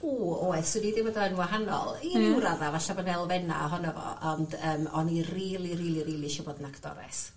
Ww oes. wahanol. Hmm. I ryw radda falla' bod eflena ohonno fo ond yym o'n i rili rili rili isie bod yn actores.